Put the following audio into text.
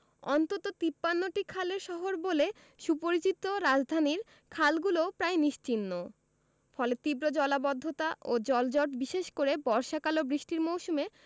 অন্তত ৫৩টি খালের শহর বলে সুপরিচিত রাজধানীর খালগুলোও প্রায় নিশ্চিহ্ন ফলে তীব্র জলাবদ্ধতা ও জলজট বিশেষ করে বর্ষাকাল ও বৃষ্টির মৌসুমে